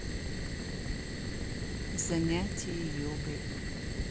еще погромче